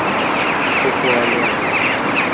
ку ку але